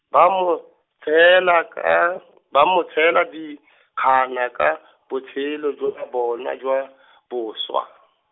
ba mo, tshela ka , ba mo tshela dikgana ka, botshelo jwa, bona jwa boswa.